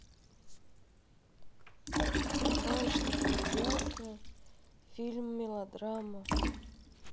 барышня крестьянка фильм мелодрама